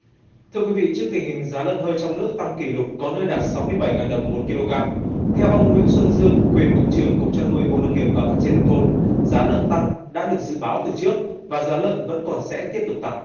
thưa quý vị trước tình hình giá lợn hơi trong nước tăng kỷ lục có nơi đạt sáu mươi bảy ngàn đồng một ki lô gam theo ông nguyễn xuân dương quyền cục trưởng cục chăn nuôi bộ nông nghiệp và phát triển nông thôn giá lợn tăng đã được dự báo từ trước và giá lợn vẫn còn sẽ tiếp tục tăng